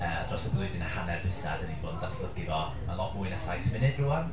Yy dros y blwyddyn a hanner dwytha dan ni 'di bod yn datblygu fo. Mae'n lot mwy na saith munud rŵan.